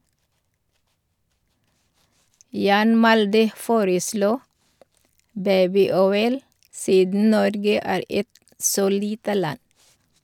Jan Malde foreslo "Babyoil", siden Norge er et så lite land.